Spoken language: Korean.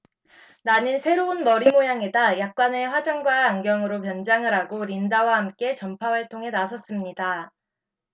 나는 새로운 머리 모양에다 약간의 화장과 안경으로 변장을 하고 린다와 함께 전파 활동에 나섰습니다